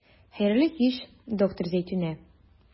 Хәерле кич, доктор Зәйтүнә.